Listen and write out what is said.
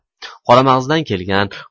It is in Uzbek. qoramag'izdan kelgan